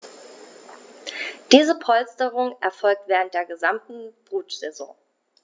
Diese Polsterung erfolgt während der gesamten Brutsaison.